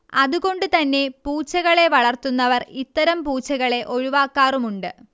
അതുകൊണ്ട് തന്നെ പൂച്ചകളെ വളർത്തുന്നവർ ഇത്തരം പൂച്ചകളെ ഒഴിവാക്കാറുമുണ്ട്